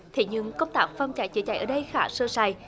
thế nhưng công tác phòng cháy chữa cháy ở đây khá sơ sài